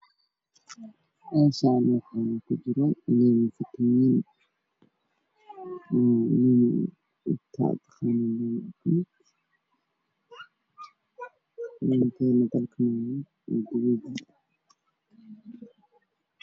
Meeshan waxaa yaali kartoon ay ku jiraan khudaar ka horkeedu yahay jaalo qoraal ayaana kor u qaran garsoonka